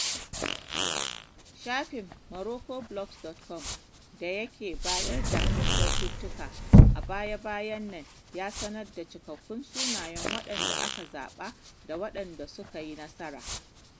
Shafin MoroccoBlogs.com da yake bayar da kyaututtuka, a baya-bayan nan ya sanar da cikakkun sunayen waɗanda aka zaɓa da waɗanda suka yi nasara.